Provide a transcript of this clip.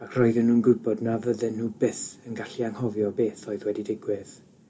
ac roedden nhw'n gwybod na fydden nhw byth yn gallu anghofio beth oedd wedi digwydd.